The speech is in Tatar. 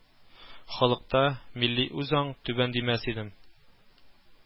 Халыкта милли үзаң түбән димәс идем